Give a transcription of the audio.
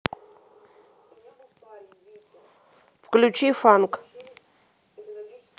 включи фанк